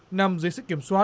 năm dưới sự kiểm soát